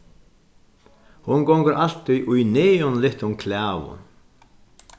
hon gongur altíð í neonlittum klæðum